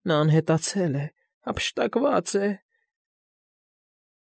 Նա անհետացել է, հափշտակված է, գոլլմ։